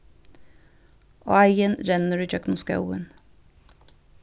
áin rennur ígjøgnum skógin